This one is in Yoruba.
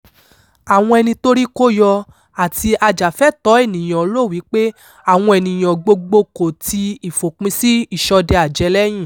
Àwọn ẹni-tórí-kó-yọ àti ajàfẹ́tọ̀ọ́-ènìyàn rò wípé àwọn ènìyàn gbogbo kò ti ìfòpin sí ìṣọdẹ-àjẹ́ lẹ́yìn.